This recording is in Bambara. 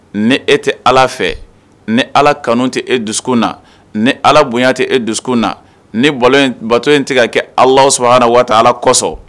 Ni e tɛ ala fɛ ni ala kanu tɛ e dusu na ni ala bonya tɛ e dusu na ni bato in tɛ ka kɛ ala sabanan na waati ala kosɔn